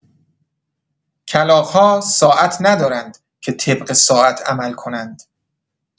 کلاغ‌ها ساعت ندارند که طبق ساعت عمل کنند.